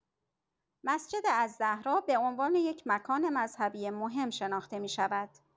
مسجد الزهراء به عنوان یک مکان مذهبی مهم شناخته می‌شود.